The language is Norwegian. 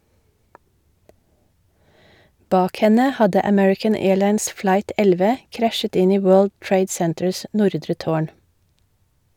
Bak henne hadde American Airlines Flight 11 krasjet inn i World Trade Centers nordre tårn.